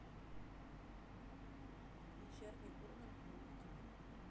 вечерний ургант группа кино